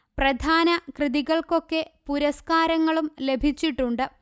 പ്രധാന കൃതികൾക്കൊക്കെ പുരസ്കാരങ്ങളും ലഭിച്ചിട്ടുണ്ട്